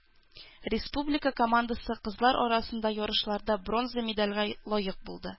Республика командасы кызлар арасында ярышларда бронза медальгә лаек булды.